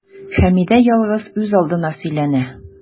Хәмидә ялгыз, үзалдына сөйләнә.